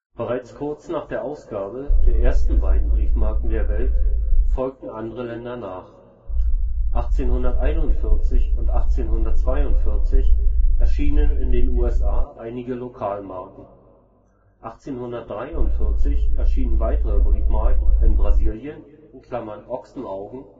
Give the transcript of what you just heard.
Bereits kurz nach der Ausgabe der ersten beiden Briefmarken der Welt folgten andere Länder nach. 1841 und 1842 erschienen in den USA einige Lokalmarken. 1843 erschienen weitere Briefmarken in Brasilien (Ochsenaugen